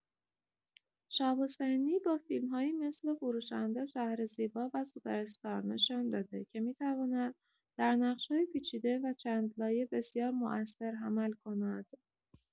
شهاب حسینی با فیلم‌هایی مثل فروشنده، شهر زیبا و سوپراستار نشان داده که می‌تواند در نقش‌های پیچیده و چندلایه بسیار مؤثر عمل کند.